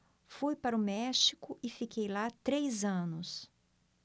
fui para o méxico e fiquei lá três anos